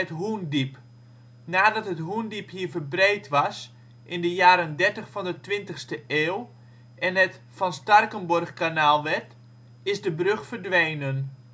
Hoendiep. Nadat het Hoendiep hier verbreed was, in de jaren dertig van de twintigste eeuw, en het Van Starkenborghkanaal werd, is de brug verdwenen